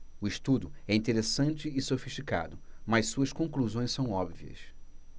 o estudo é interessante e sofisticado mas suas conclusões são óbvias